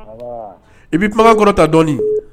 An baa. I b'i kumakan kɔrɔta dɔɔni.